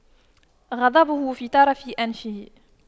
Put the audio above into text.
غضبه على طرف أنفه